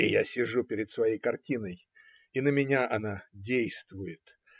И я сижу перед своей картиной, и на меня она действует.